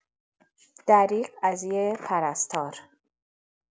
دریغ از یه پرستار